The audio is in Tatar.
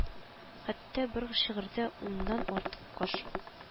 Хәтта бер шигырьдә уннан артык кош